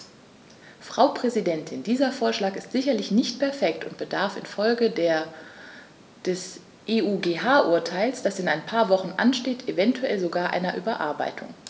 Frau Präsidentin, dieser Vorschlag ist sicherlich nicht perfekt und bedarf in Folge des EuGH-Urteils, das in ein paar Wochen ansteht, eventuell sogar einer Überarbeitung.